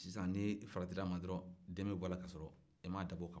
sisan ni faratir'a ma dɔrɔn den b'o la ka sɔrɔ i m'a dabɔ o kama